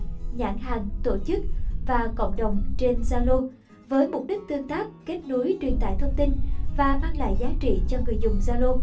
tổ chức và cộng đồng trên zalo với mục đích tương tác kết nối truyền tải thông tin và mang lại giá trị cho người dùng zalo